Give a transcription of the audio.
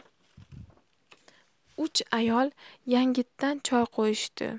uch ayol yangitdan choy qo'yishdi